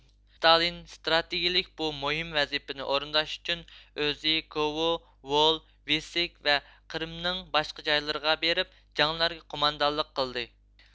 ستالىن ئىستراتېگىيىلىك بۇ مۇھىم ۋەزىپىنى ئورۇنداش ئۈچۈن ئۆزى كوۋو ۋول ۋىسك ۋە قىرىمنىڭ باشقا جايلىرىغا بېرىپ جەڭلەرگە قوماندانلىق قىلدى